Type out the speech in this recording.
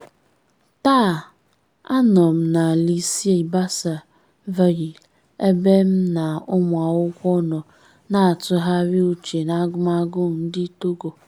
Taa anọ m na lycée Bassar Ville ebe m na ụmụ akwụkwọ nọ na-atụghari uche na agụmagụ ndị Togo.